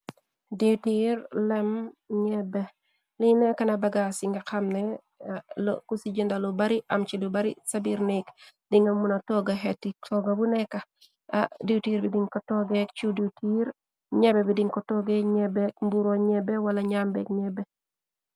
Diwtiir, lem, ñebbe, li nekkana bagaas ci nga xamne ku ci jëndalu bari am ci lu bari sa biir néek, di nga muna togga xeti tooga bu neka, diwtir bi din ko toogee cu diwtir, ñebbe bi din ko toogee ñebbe, mburo ñébbe, wala ñambeek ñébbe.